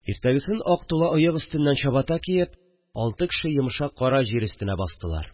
Иртәгесен, ак тула оек өстеннән чабата киеп, алты кеше йомшак кара җир өстенә бастылар